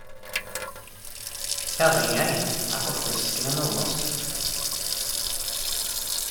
Kjerringøy er forfriskende nordnorsk!